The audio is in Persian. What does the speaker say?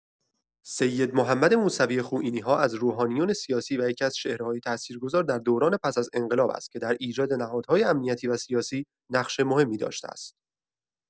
سیدمحمد موسوی خوئینی‌ها از روحانیون سیاسی و یکی‌از چهره‌های تأثیرگذار در دوران پس از انقلاب است که در ایجاد نهادهای امنیتی و سیاسی نقش مهمی داشته است.